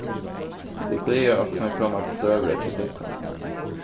vit gleða okkum at koma til døgurða hjá tykkum